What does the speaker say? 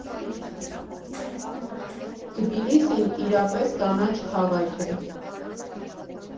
Թբիլիսին իրապես կանաչ քաղաք է։